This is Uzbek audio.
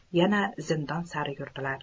yana zindon sari yurdilar